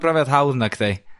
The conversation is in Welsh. brofiad hawdd nadi?